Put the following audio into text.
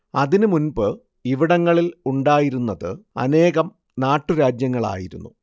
അതിന് മുൻപ് ഇവിടങ്ങളിൽ ഉണ്ടായിരുന്നത് അനേകം നാട്ടുരാജ്യങ്ങളായിരുന്നു